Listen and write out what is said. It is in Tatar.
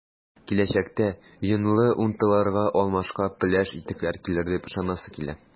Киләчәктә “йонлы” унтыларга алмашка “пеләш” итекләр килер дип ышанасы килә.